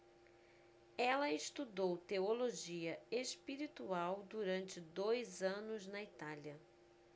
ela estudou teologia espiritual durante dois anos na itália